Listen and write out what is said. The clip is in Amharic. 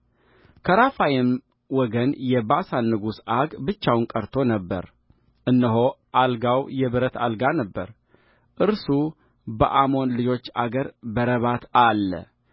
ከራፋይም ወገን የባሳን ንጉሥ ዐግ ብቻውን ቀርቶ ነበር እነሆ አልጋው የብረት አልጋ ነበረ እርሱ በአሞን ልጆች አገር በነበረባት አለ